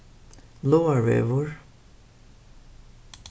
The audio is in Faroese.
láarvegur